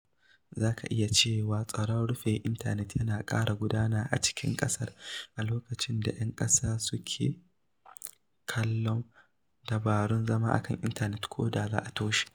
Za ka iya cewa tsoron rufe intanet yana ƙara gudana a cikin ƙasar a lokacin da 'yan ƙasa suke kallon dabarun zama a kan intanet ko da za a toshe.